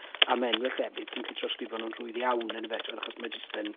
A ma' enwau llefydd ti'n gallu trawsgrifo nhw'n rhwydd iawn yndyfe twel achos ma' jyst yn